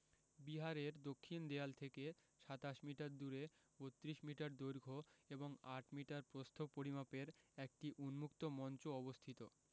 বিহারের দক্ষিণ দেয়াল থেকে ২৭মিটার দূরে ৩২ মিটার দৈর্ঘ্য এবং ৮ মিটার প্রস্থ পরিমাপের একটি উন্মুক্ত মঞ্চ অবস্থিত